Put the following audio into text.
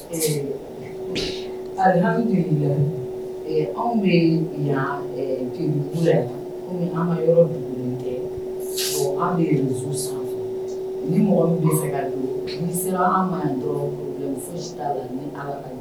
Anw bɛ ka yɔrɔ anw sanfɛ ni mɔgɔ fɛ an